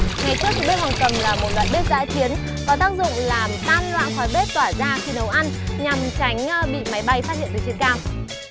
ngày trước bếp hoàng cầm là một loại bếp dã chiến có tác dụng làm tan loãng khói bếp tỏa ra khi nấu ăn nhằm tránh bị máy bay phát hiện từ trên cao